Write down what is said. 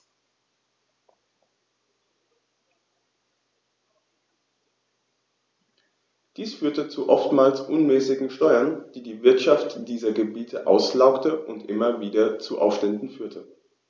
Dies führte zu oftmals unmäßigen Steuern, die die Wirtschaft dieser Gebiete auslaugte und immer wieder zu Aufständen führte.